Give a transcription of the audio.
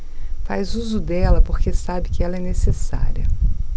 faz uso dela porque sabe que ela é necessária